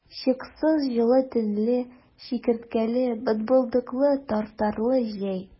Чыксыз җылы төнле, чикерткәле, бытбылдыклы, тартарлы җәй!